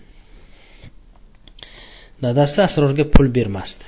dadasi srorga pul bermasdi